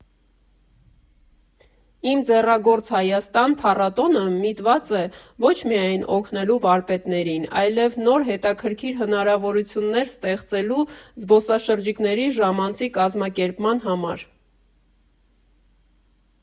«Իմ ձեռագործ Հայաստան» փառատոնը միտված է ոչ միայն օգնելու վարպետներին, այլև նոր, հետաքրքիր հնարավորություններ ստեղծելու զբոսաշրջիկների ժամանցի կազմակերպման համար։